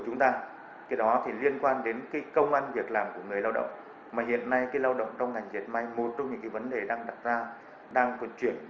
chúng ta cái đó thì liên quan đến công ăn việc làm của người lao động mà hiện nay khi lao động trong ngành dệt may một trong những cái vấn đề đang đặt ra đang vận chuyển